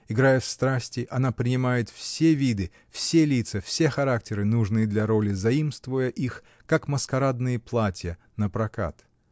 Играя в страсти, она принимает все виды, все лица, все характеры, нужные для роли, заимствуя их, как маскарадные платья, напрокат.